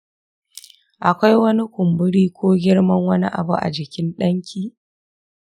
akwai wani kumburi ko girman wani abu a jikin danki?